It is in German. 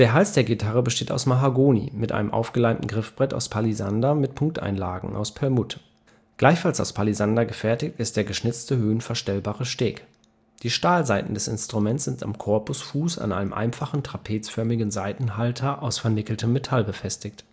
Hals der Gitarre besteht aus Mahagoni – mit einem aufgeleimten Griffbrett aus Palisander mit Punkteinlagen (Dot Markers) aus Perlmutt; gleichfalls aus Palisander gefertigt ist der geschnitzte, höhenverstellbare Steg. Die Stahlsaiten des Instruments sind am Korpusfuß an einem einfachen trapezförmigen Saitenhalter (Trapeze Tailpiece) aus vernickeltem Metall befestigt